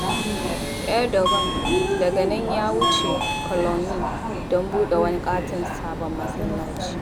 Erdogan daga nan ya wuce Cologne don buɗe wani ƙaton sabon masallaci.